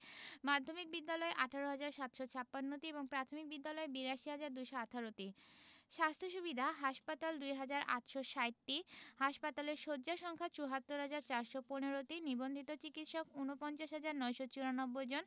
মাধ্যমিক বিদ্যালয় ১৮হাজার ৭৫৬টি এবং প্রাথমিক বিদ্যালয় ৮২হাজার ২১৮ তি স্বাস্থ্য সুবিধাঃ হাসপাতাল ২হাজার ৮৬০টি হাসপাতালের শয্যা সংখ্যা ৭৪হাজার ৪১৫টি নিবন্ধিত চিকিৎসক ৪৯হাজার ৯৯৪ জন